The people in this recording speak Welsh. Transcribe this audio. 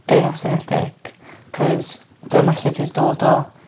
Deyrnas nedig 'c'os dyma lle dwi 'di dod o.